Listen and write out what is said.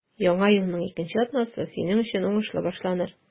Яңа елның икенче атнасы синең өчен уңышлы башланыр.